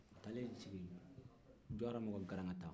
a taalen e sigin jawɔrɔmɛw kan garankata